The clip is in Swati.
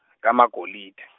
kaMagolide.